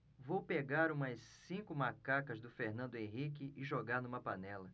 vou pegar umas cinco macacas do fernando henrique e jogar numa panela